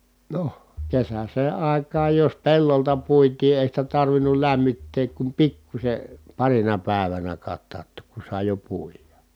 no kesäiseen aikaan jos pellolta puitiin ei sitä tarvinnut lämmittää kuin pikkuisen parina päivänä katauttaa kun sai jo puida